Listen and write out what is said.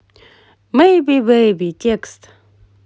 мейби бейби текст